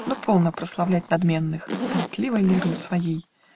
Но полно прославлять надменных Болтливой лирою своей